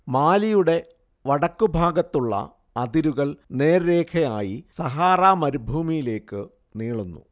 മാലിയുടെ വടക്കുവശത്തുള്ള അതിരുകൾ നേർരേഖയായി സഹാറാ മരുഭൂമിയിലേക്ക് നീളുന്നു